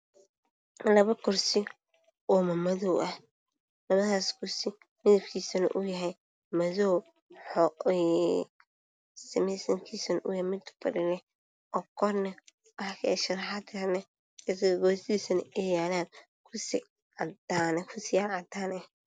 Labo kursi oo madow ah oo fadhi camal ah korna sharaxaad ku leh geesihiisa waxaa yaalo kuraas cadaan ah.